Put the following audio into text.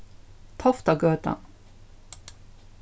toftagøtan